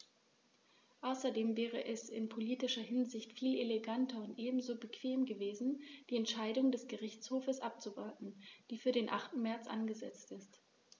Außerdem wäre es in politischer Hinsicht viel eleganter und ebenso bequem gewesen, die Entscheidung des Gerichtshofs abzuwarten, die für den 8. März angesetzt ist.